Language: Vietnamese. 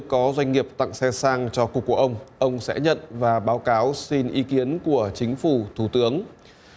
có doanh nghiệp tặng xe sang cho cục của ông ông sẽ nhận và báo cáo xin ý kiến của chính phủ thủ tướng